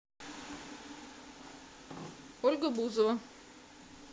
ольга зубова